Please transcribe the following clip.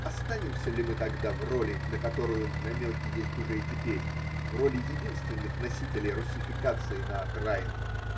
Останемся ли мы тогда в роли, на которую намеки есть уже и теперь – в роли единственных носителей руссификации на окраинах?